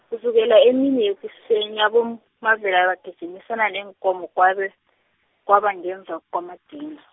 kusukela emini yekuseni, aboMavela bagijimisane neenkomo kwabe, kwaba ngemva kwamadina.